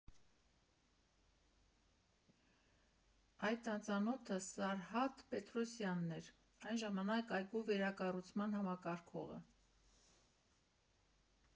Այդ անծանոթը Սարհատ Պետրոսյանն էր, այն ժամանակ այգու վերակառուցման համակարգողը։